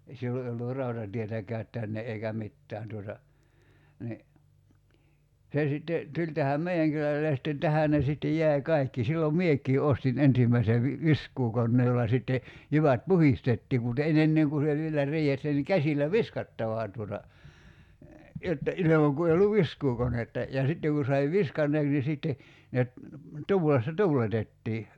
ei silloin ei ollut rautatietäkään tänne eikä mitään tuota niin se sitten tuli tähän meidän kylälle ja sitten tähän ne sitten jäi kaikki silloin minäkin ostin ensimmäisen - viskuukoneen jolla sitten jyvät puhdistettiin mutta - ennen kuin se vielä riihessä niin käsillä viskattava tuota jotta ilman kun ei ollut viskuukonetta ja sitten kun sai viskanneeksi niin sitten ne - tuulessa tuuletettiin